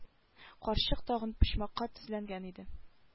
Карчык тагын почмакка тезләнгән иде